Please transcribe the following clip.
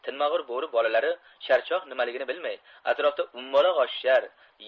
tinmag'ur bo'ri bolalari charchoq orala bilmay atrofda o'mbaloq oshishar